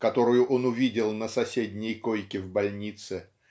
которую он увидел на соседней койке в больнице